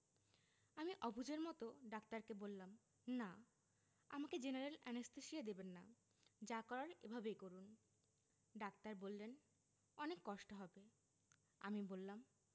আমি অবুঝের মতো ডাক্তারকে বললাম না আমাকে জেনারেল অ্যানেসথেসিয়া দেবেন না যা করার এভাবেই করুন ডাক্তার বললেন অনেক কষ্ট হবে আমি বললাম